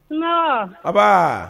Nba a